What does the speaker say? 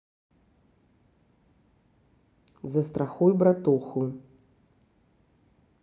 застрахуй братуху